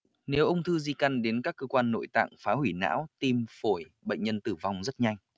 nếu ung thư di căn đến các cơ quan nội tạng phá hủy não tim phổi bệnh nhân tử vong rất nhanh